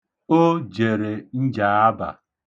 O jere Njaaba.